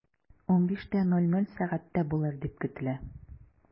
15.00 сәгатьтә булыр дип көтелә.